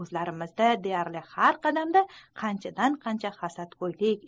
ozlarimizda deyarli har qadamda qanchadan qancha hasadgoylik